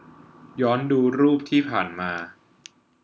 ย้อนดูรูปที่ผ่านมา